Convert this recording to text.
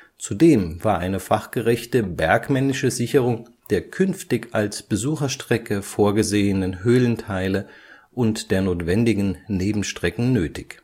Zudem war eine fachgerechte bergmännische Sicherung der künftig als Besucherstrecke vorgesehenen Höhlenteile und der notwendigen Nebenstrecken nötig